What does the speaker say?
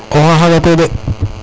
oxey xaga koy de